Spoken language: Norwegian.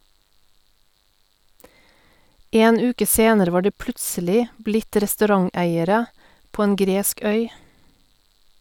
En uke senere var de plutselig blitt restauranteiere på en gresk øy.